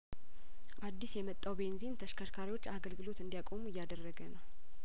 አዲስ የመጣው ቤንዚን ተሽከርካሪዎች አገልግሎት እንዲ ያቆሙ እያደረገ ነው